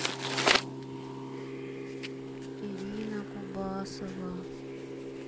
ирина кубасова